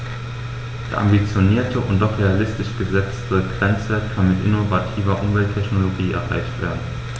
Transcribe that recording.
Der ambitionierte und doch realistisch gesetzte Grenzwert kann mit innovativer Umwelttechnologie erreicht werden.